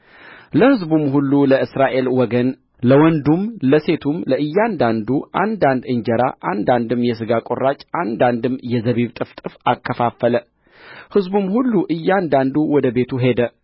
ለሕዝቡም ሁሉ ለእስራኤል ወገን ለወንዱም ለሴቱም ለእያንዳንዱ አንዳንድ እንጀራ አንዳንድም የሥጋ ቍራጭ አንዳንድም የዘቢብ ጥፍጥፍ አከፋፈለ ሕዝቡም ሁሉ እያንዳንዱ ወደ ቤቱ ሄደ